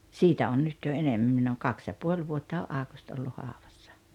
siitä on nyt jo enemmän minä olen kaksi ja puoli vuotta on Aukusti ollut haudassa